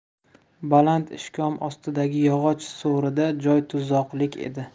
baland ishkom ostidagi yog'och so'rida joy tuzoqlik edi